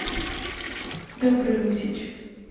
добрый русич